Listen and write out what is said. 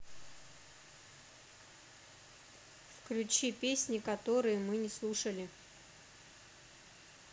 включи песни которые мы не слушали